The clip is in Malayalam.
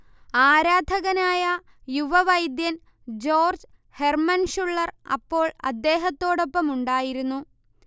ആരാധകനായ യുവവൈദ്യൻ ജോർജ്ജ് ഹെർമൻ ഷുള്ളർ അപ്പോൾ അദ്ദേഹത്തോടൊപ്പമുണ്ടായിരുന്നു